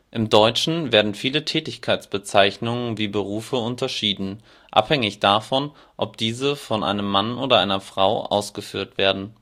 Im Deutschen werden viele Tätigkeitsbezeichnungen wie Berufe unterschieden, abhängig davon, ob diese von einem Mann oder einer Frau ausgeführt werden